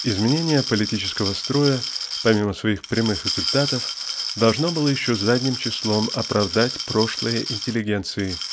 Изменение политического строя помимо своих прямых результатов должно было еще задним числом оправдать прошлое интеллигенции